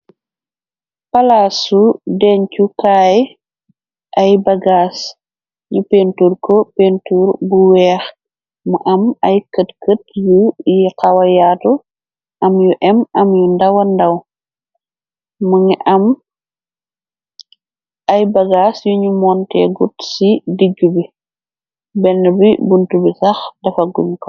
Palaasu deñchu kaay ay bagaas yu pentur ko pentur bu weex ma am ay kët kët yu yi xawayaatu am yu em am yu ndawa ndaw mu ngi am ay bagaas yunu monte gut ci digg bi benn bi bunt bi sax dafa guñ ko.